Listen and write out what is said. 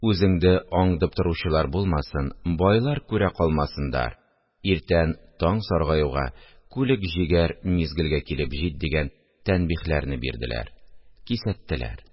– үзеңде аңдып торучылар булмасын, байлар күрә калмасындар, иртән таң саргаюга күлек җигәр мизгелгә килеп җит, – дигән тәнбиһләрне бирделәр, кисәттеләр